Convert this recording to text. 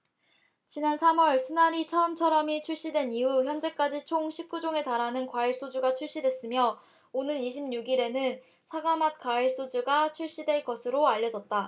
지난 삼 월 순하리 처음처럼이 출시된 이후 현재까지 총 십 구 종에 달하는 과일소주가 출시됐으며 오는 이십 육 일에는 사과맛 과일소주가 출시될 것으로 알려졌다